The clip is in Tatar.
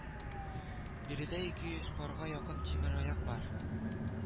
Биредә ике йөз парга якын тимераяк бар